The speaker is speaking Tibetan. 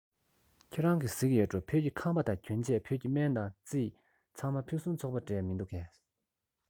ཁྱེད རང གིས གཟིགས ཡོད འགྲོ བོད ཀྱི ཁང པ དང གྱོན ཆས བོད ཀྱི སྨན དང རྩིས ཚང མ ཕུན སུམ ཚོགས པོ འདྲས མི འདུག གས